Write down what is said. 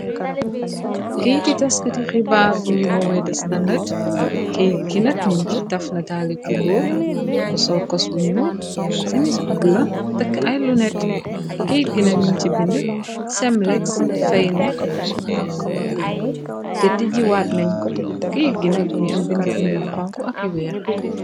Keyit yi taskati xibaar buñuy wowee de standard, keyt ginak ñum ci taf nataali ku góor , ku sol kos bu ñuul, si mis bulo, takk ay lunet , keyt gina num ci bind sem lex feyne , te tijji waat nañ, keyit ginak bu ngi am bind bind yu xonxo ak yu weex.